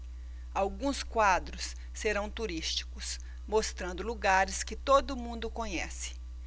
alguns quadros serão turísticos mostrando lugares que todo mundo conhece